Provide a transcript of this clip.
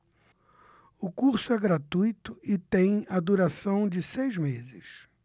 o curso é gratuito e tem a duração de seis meses